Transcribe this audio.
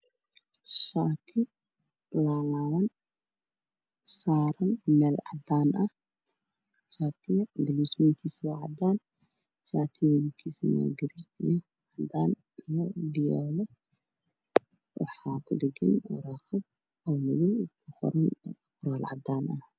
Shaati laalaaban saaran meel cadaan ah guluustiisu waa cadaan, shaatigu waa garee , cadaan iyo fiyool. Waxaa kudhagan waraaqad madow oo kuqoran qoraal cadaan ah.